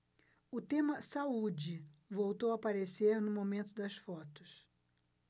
o tema saúde voltou a aparecer no momento das fotos